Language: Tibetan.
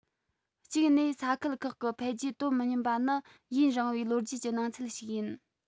གཅིག ནས ས ཁུལ ཁག གི འཕེལ རྒྱས དོ མི མཉམ པ ནི ཡུན རིང བའི ལོ རྒྱུས ཀྱི སྣང ཚུལ ཞིག ཡིན